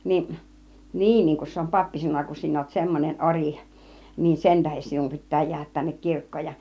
niin niin kun se on pappi sanonut kun sinä olet semmoinen ori niin sen tähden sinun pitää jäädä tänne kirkkoon ja